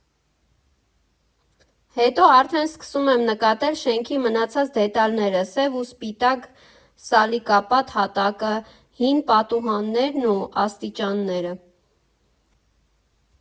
Հետո արդեն սկսում եմ նկատել շենքի մնացած դետալները՝ սև ու սպիտակ սալիկապատ հատակը, հին պատուհաններն ու աստիճանները։